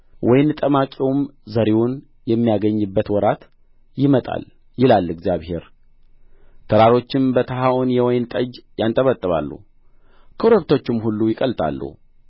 ወይን ጠማቂውም ዘሪውን የሚያገኝበት ወራት ይመጣል ይላል እግዚአብሔር ተራሮችም በተሀውን የወይን ጠጅ ያንጠባጥባሉ ኮረብቶችም ሁሉ ይቀልጣሉ